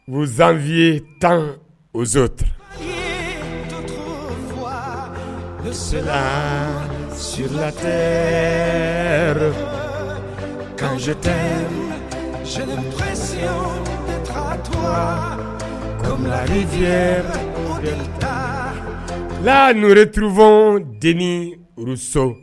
Muz vi ye tan ozo tanla sirala tɛ kantesita la nre turup den ni roso